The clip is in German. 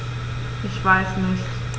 Ich weiß nicht.